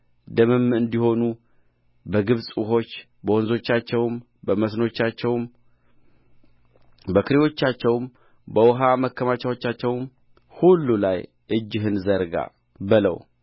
ደምም እንዲሆኑ በግብፅ ውኆች በወንዞቻቸውም በመስኖቻቸውም በኩሬዎቻቸውም በውኃ ማከማቻዎቻቸውም ሁሉ ላይ እጅህን ዘርጋ በለው